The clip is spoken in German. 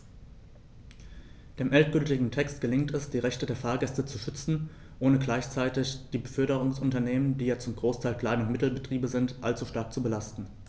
Dem endgültigen Text gelingt es, die Rechte der Fahrgäste zu schützen, ohne gleichzeitig die Beförderungsunternehmen - die ja zum Großteil Klein- und Mittelbetriebe sind - allzu stark zu belasten.